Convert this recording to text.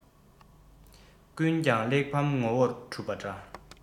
ཀུན ཀྱང གླེགས བམ ངོ བོར གྲུབ པ འདྲ